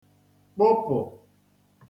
kpụpụ̀